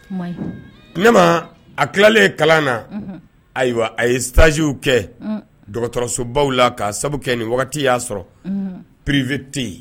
Ne ma a tilalen ye kalan na ayiwa a ye sajw kɛ dɔgɔtɔrɔsoba la k kaa sabu kɛ ni y'a sɔrɔ pereripbite yen